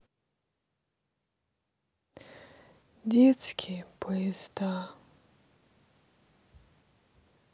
детские поезда